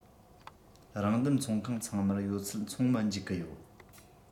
རང འདེམས ཚོང ཁང ཚང མར ཡོད ཚད འཚོང མི འཇུག གི ཡོད